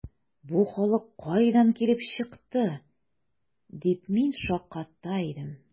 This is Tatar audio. “бу халык кайдан килеп чыкты”, дип мин шакката идем.